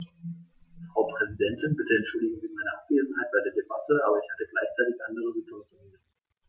Frau Präsidentin, bitte entschuldigen Sie meine Abwesenheit bei der Debatte, aber ich hatte gleichzeitig andere Sitzungstermine.